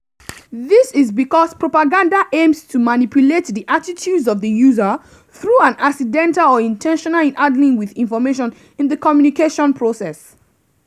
This is because propaganda "aims to manipulate the attitudes of the user" through an "accidental or intentional handling with information in [the] communication process".